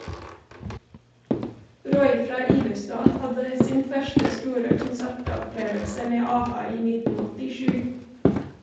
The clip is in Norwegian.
Roy fra Ibestad hadde sin første store konsertopplevelse med a-ha i 1987.